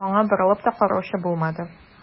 Аңа борылып та караучы булмады.